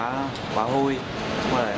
quá hôi